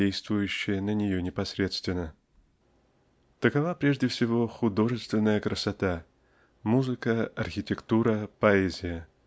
действующие на нее непосредственно. Такова прежде всего художественная красота -- музыка архитектура поэзия